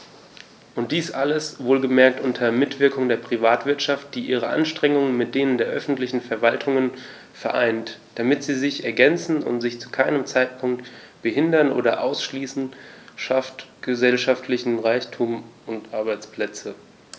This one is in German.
Und dies alles - wohlgemerkt unter Mitwirkung der Privatwirtschaft, die ihre Anstrengungen mit denen der öffentlichen Verwaltungen vereint, damit sie sich ergänzen und sich zu keinem Zeitpunkt behindern oder ausschließen schafft gesellschaftlichen Reichtum und Arbeitsplätze.